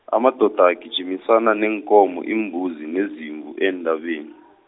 amadoda agijimisana neenkomo iimbuzi nezimvu eentabeni .